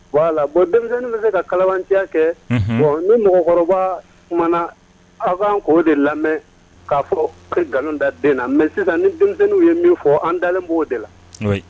Voilà bon denmisɛnnin bɛ se ka kalabantiya kɛ, unhun, bon ni mɔgɔkɔrɔba kumana aw kan k'o de lamɛn k'a fɔ i ye nkalon da den na mais sisan ni denmisɛnninw ye min fɔ an dalen b'o de la, oui